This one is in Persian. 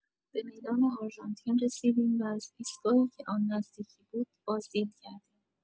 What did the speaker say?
به میدان آرژانتین رسیدیم و از ایستگاهی که آن نزدیکی بود بازدید کردیم.